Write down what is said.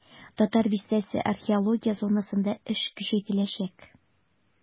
"татар бистәсе" археология зонасында эш көчәйтеләчәк.